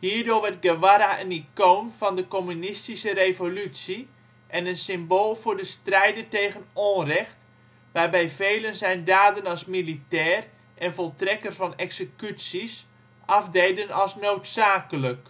Hierdoor werd Guevara een icoon van de communistische revolutie en een symbool voor de strijder tegen onrecht, waarbij velen zijn daden als militair en voltrekker van executies afdeden als noodzakelijk.